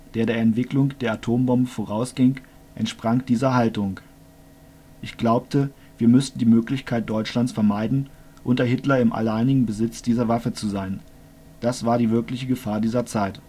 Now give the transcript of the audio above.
der Entwicklung der Atombombe vorausging, entsprang dieser Haltung: „ Ich glaubte, wir müssten die Möglichkeit Deutschlands vermeiden, unter Hitler im alleinigen Besitz dieser Waffe zu sein. Das war die wirkliche Gefahr dieser Zeit